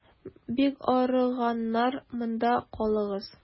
Бик арыганнар, монда калыгыз.